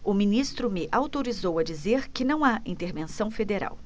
o ministro me autorizou a dizer que não há intervenção federal